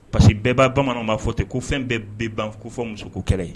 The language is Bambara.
Parce bɛɛ bba bamananw b'a fɔ ten ko fɛn bɛɛ bɛ ban kofɔ muso ko kɛlɛ ye